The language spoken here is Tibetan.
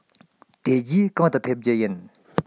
དེ རྗེས གང དུ ཕེབས རྒྱུ ཡིན